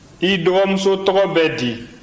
i dɔgɔmuso tɔgɔ bɛ di